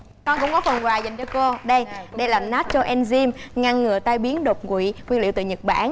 con cũng có phần quà dành cho cô đây đây là nát chô en dim ngăn ngừa tai biến đột quỵ nguyên liệu từ nhật bản